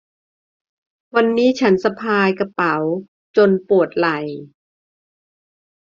วันนี้ฉันสะพายกระเป๋าจนปวดไหล่